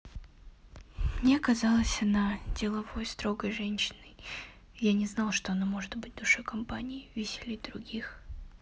мне казалось она деловой строгой женщиной я не знал что она может быть душой компании веселить других